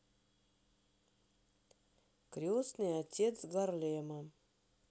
крестный отец гарлема